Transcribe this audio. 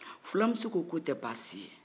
filamuso ko ko tɛ baasi ye